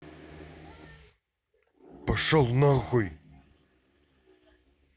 пошел нахуй